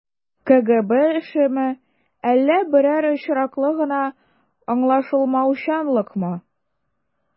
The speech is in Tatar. КГБ эшеме, әллә берәр очраклы гына аңлашылмаучанлыкмы?